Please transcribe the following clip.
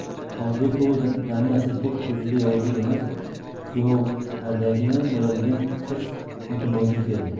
holbuki u damda asadbek ko'zida yovuzlik emas kuyovlardagina bo'ladigan hirs o'ti mavjud edi